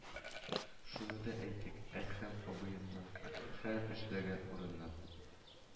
Шуны да әйтик, Әдһәм абыемның һәр эшләгән урыныннан